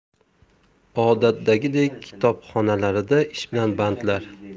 odatdagidek kitobxonalarida ish bilan bandlar